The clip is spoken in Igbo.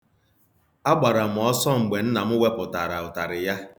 A gbara m ọsọ mgbe nna m wepụtara ụtarị ya.